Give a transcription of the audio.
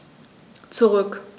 Zurück.